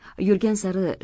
yurgan sayin